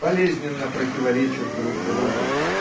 болезненно противоречат друг другу.